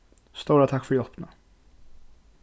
stóra takk fyri hjálpina